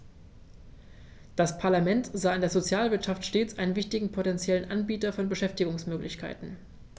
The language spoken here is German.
Das Parlament sah in der Sozialwirtschaft stets einen wichtigen potentiellen Anbieter von Beschäftigungsmöglichkeiten.